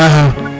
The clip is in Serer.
axa